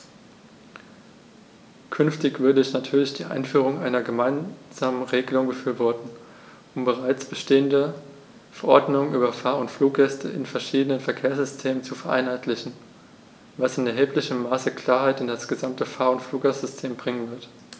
Künftig würde ich natürlich die Einführung einer gemeinsamen Regelung befürworten, um bereits bestehende Verordnungen über Fahr- oder Fluggäste in verschiedenen Verkehrssystemen zu vereinheitlichen, was in erheblichem Maße Klarheit in das gesamte Fahr- oder Fluggastsystem bringen wird.